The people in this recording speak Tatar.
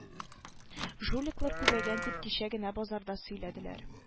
Жуликлар күбәйгән дип кичә генә базарда сөйләделәр